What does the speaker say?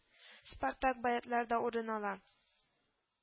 Спартак балетлары да урын ала